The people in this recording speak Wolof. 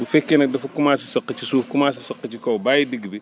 bu fekkee nag dafa commencé saw ci suuf commencé saq ci kaw bàyyi digg bi